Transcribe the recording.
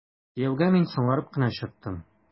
Кияүгә мин соңарып кына чыктым.